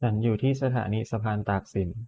ฉันอยู่ที่สถานีสะพานตากสิน